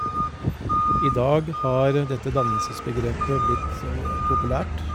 I dag har dette dannelsesbegrepet blitt oe populært.